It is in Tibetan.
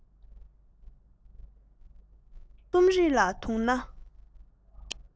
ཁྱོད རང རྩོམ རིག ལ དུངས ན